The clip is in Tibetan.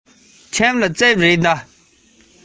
ཤེད ཤུགས གང ཡོད ཀྱིས